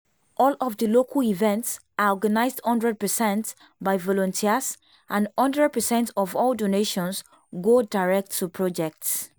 All of the local events are organized 100% by volunteers and 100% of all donations go direct to projects.